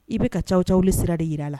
I bɛ ka cɛw cɛw ni sira de jira a la